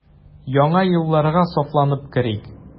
Яңа елларга сафланып керик.